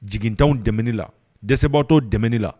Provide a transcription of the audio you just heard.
Jigitanw dɛ la dɛsɛsebaatɔ tɛmɛn la